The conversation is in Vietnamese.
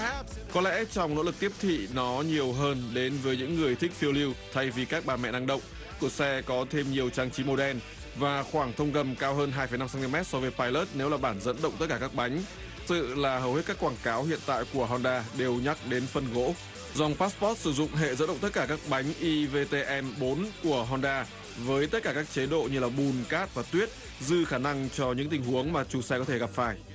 có lẽ trong nỗ lực tiếp thị nó nhiều hơn đến với những người thích phiêu lưu thay vì các bà mẹ năng động cổ xe có thêm nhiều trang trí màu đen và khoảng thông gầm cao hơn hai phẩy năm xen ti mét so với phoi lớt nếu bản dẫn động tất cả các bánh dự là hầu hết các quảng cáo hiện tại của hon đa đều nhắc đến phần gỗ dòng bát bốt sử dụng hệ dẫn động tất cả các bánh i vê tê en bốn của hon đa với tất cả các chế độ như bùn cát và tuyết dư khả năng cho những tình huống mà chủ xe có thể gặp phải